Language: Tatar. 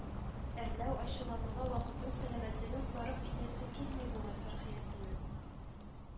Әрләү-ачулануга вакытын-сәламәтлеген сарыф итәсе килми бугай Фәрхиясенең